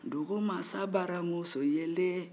dugumansa baramuso yelen